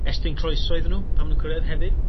estyn croeso iddyn n'w pan ma' nw'n cyrraedd hefyd.